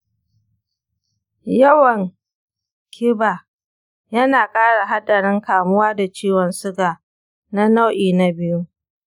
yawan kiba yana ƙara haɗarin kamuwa da ciwon suga na nau’i na biyu.